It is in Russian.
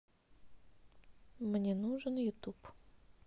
мне нужен ютуб